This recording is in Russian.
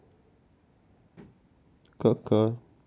ка ка